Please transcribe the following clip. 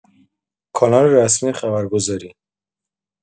کانال رسمی خبرگزاری